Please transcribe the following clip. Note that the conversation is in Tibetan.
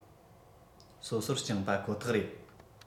སོ སོར བསྐྱངས པ ཁོ ཐག རེད